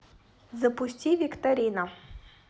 запусти викторина